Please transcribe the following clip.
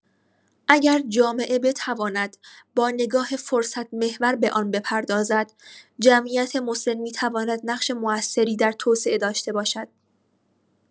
اگر جامعه بتواند با نگاه فرصت‌محور به آن بپردازد، جمعیت مسن می‌تواند نقش موثری در توسعه داشته باشد.